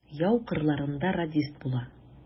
Яу кырларында радист була.